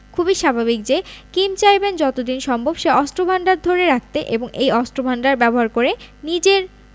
খুবই স্বাভাবিক যে কিম চাইবেন যত দিন সম্ভব সে অস্ত্রভান্ডার ধরে রাখতে এবং এই অস্ত্রভান্ডার ব্যবহার করে নিজের